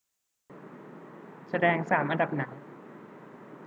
แสดงสามอันดับหนัง